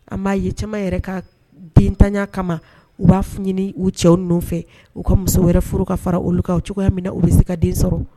An b'a ye caman yɛrɛ ka dentanɲa kama u b'a ɲini u cɛ ninnu fɛ u ka muso wɛrɛ furu ka fara olu kan o cogoya min na u bɛ se ka den sɔrɔ.